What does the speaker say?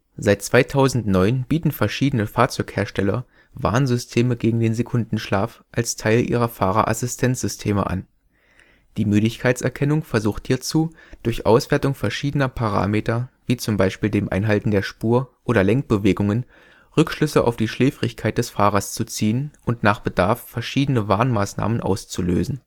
Seit 2009 bieten verschiedene Fahrzeughersteller Warnsysteme gegen den Sekundenschlaf als Teil ihrer Fahrerassistenzsysteme an. Die Müdigkeitserkennung versucht hierzu durch Auswertung verschiedener Parameter, wie z. B. dem Einhalten der Spur oder Lenkbewegungen, Rückschlüsse auf die Schläfrigkeit des Fahrers zu ziehen und nach Bedarf verschiedene Warnmaßnahmen auszulösen